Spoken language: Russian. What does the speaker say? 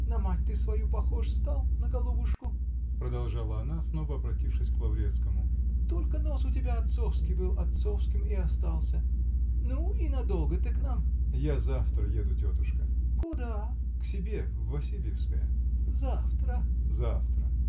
На мать ты свою похож стал, на голубушку, -- продолжала она, снова обратившись к Лаврецкому, -- только нос у тебя отцовский был, отцовским и остался. Ну -- и надолго ты к нам? -- Я завтра еду, тетушка. -- Куда? -- К себе, в Васильевское. -- Завтра? -- Завтра.